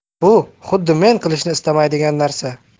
bu xuddi men qilishni istamaydigan narsa